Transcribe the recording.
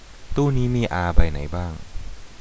ตู้นี้มีอาใบไหนบ้าง